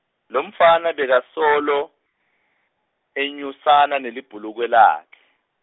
lomfana bekasolo, enyusana nelibhuluko lakhe.